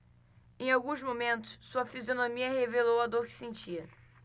em alguns momentos sua fisionomia revelou a dor que sentia